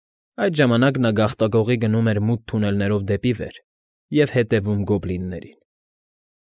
Այդ ժամանակ նա գաղտագողի գնում էր մութ թունելներով դեպի վեր և հետևում գոբլիններին։